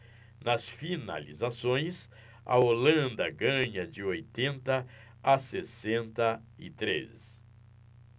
nas finalizações a holanda ganha de oitenta a sessenta e três